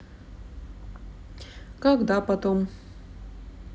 когда потом